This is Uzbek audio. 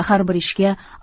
har bir ishga